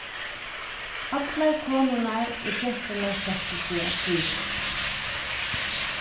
allar konurnar og genturnar settu seg at skriva